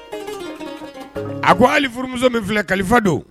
A ko hali furumuso min filɛ kalifa don